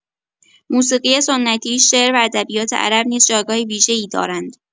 موسیقی سنتی، شعر و ادبیات عرب نیز جایگاه ویژه‌ای دارند؛